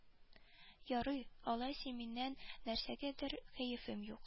Ярый алайса минем нәрсәгәдер кәефем юк